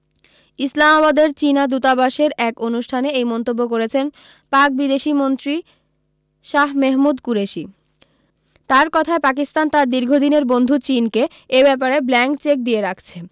ইসলামাবাদের চীনা দূতাবাসের এক অনুষ্ঠানে এই মন্তব্য করেছেন পাক বিদেশমন্ত্রী শাহ মেহমুদ কুরেশি তাঁর কথায় পাকিস্তান তার দীর্ঘদিনের বন্ধু চীনকে এ ব্যাপারে বল্যাঙ্ক চেক দিয়ে রাখছে